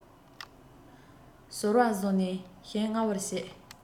ཟོར བ བཟུང ནས ཞིང རྔ བར བྱེད